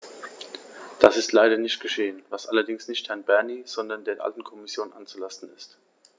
Das ist leider nicht geschehen, was allerdings nicht Herrn Bernie, sondern der alten Kommission anzulasten ist.